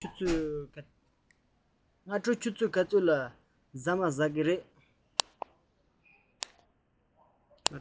ཕྱི དྲོ ཆུ ཚོད ག ཚོད ལ ཁ ལག གཏོང གི རེད པས